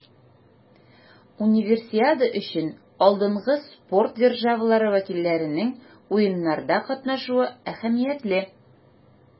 Универсиада өчен алдынгы спорт державалары вәкилләренең Уеннарда катнашуы әһәмиятле.